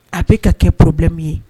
A bɛ ka kɛ plɛmi ye